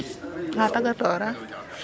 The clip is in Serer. xa tagatoora ?